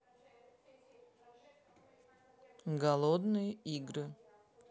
голодные игры